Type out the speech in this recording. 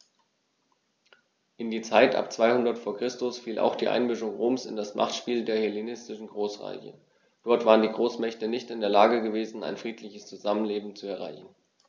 In die Zeit ab 200 v. Chr. fiel auch die Einmischung Roms in das Machtspiel der hellenistischen Großreiche: Dort waren die Großmächte nicht in der Lage gewesen, ein friedliches Zusammenleben zu erreichen.